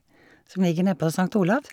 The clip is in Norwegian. Som ligger nede på Sankt Olav.